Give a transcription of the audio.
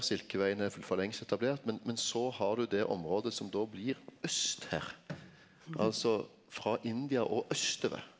Silkevegen er for lengst etablert men men så har du det området som då blir aust her altså frå India og austover.